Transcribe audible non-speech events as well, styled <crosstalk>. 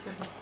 <hesitation> <hesitation>